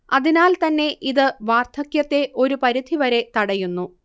അതിനാൽ തന്നെ ഇത് വാർധക്യത്തെ ഒരു പരിധിവരെ തടയുന്നു